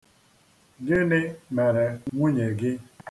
Gịnị mere nwunye gị?